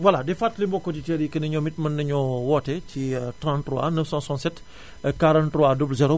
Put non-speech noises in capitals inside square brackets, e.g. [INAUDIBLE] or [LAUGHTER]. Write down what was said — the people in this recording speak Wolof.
voilà di fàttali mbokki auditeurs yi que ne ñoom it mën nañoo woote ci 33 967 [INHALES] 43 00